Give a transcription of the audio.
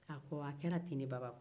a ko a kɛra ten de wa baba